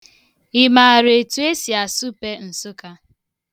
Ị mara etu esi asụpe Nsụka?